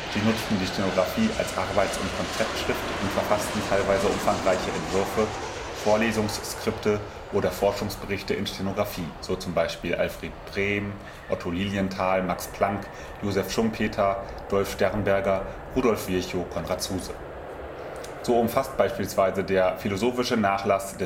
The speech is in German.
Sie nutzten die Stenografie als Arbeits - und Konzeptschrift und verfassten teilweise umfangreiche Entwürfe, Vorlesungsskripte oder Forschungsberichte in Stenografie (so zum Beispiel Alfred Brehm, Otto Lilienthal, Max Planck, Joseph Schumpeter, Dolf Sternberger, Rudolf Virchow, Konrad Zuse). So umfasst beispielsweise der philosophische Nachlass